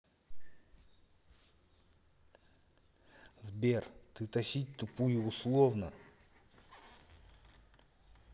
сбер ты тащить тупую условно